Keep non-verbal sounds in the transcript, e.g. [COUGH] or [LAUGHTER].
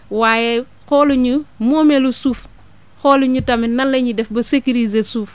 waaye xooluñu moomeelu suuf xooluñu [NOISE] tamit nan la ñuy def ba sécuriser suuf